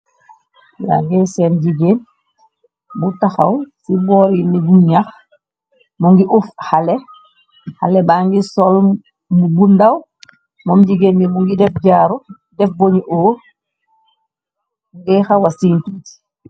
Ya ngee seen jigéen bu taxaw ci boorini bu ñax mu ngi uf xale xale ba ngi sol mu bu ndaw moom jigéen bi mu ngi def jaaru def boñu uo nge xawa siintuti.